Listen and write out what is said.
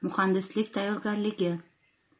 muhandislik tayyorgarligi